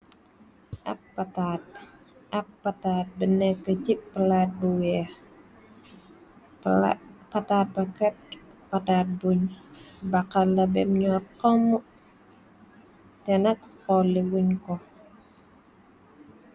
Ab pataat, ab pataat bu nekk si palat bu weex, pataat ba kat, pataat bu baxal la bam nyor xommu, tenak xoli wunjko